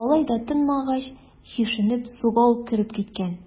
Алай да тынмагач, чишенеп, суга ук кереп киткән.